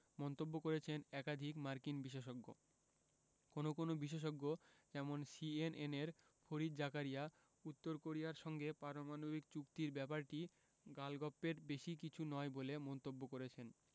মন্তব্য করেছেন একাধিক মার্কিন বিশেষজ্ঞ কোনো কোনো বিশেষজ্ঞ যেমন সিএনএনের ফরিদ জাকারিয়া উত্তর কোরিয়ার সঙ্গে পারমাণবিক চুক্তির ব্যাপারটি গালগপ্পের বেশি কিছু নয় বলে মন্তব্য করেছেন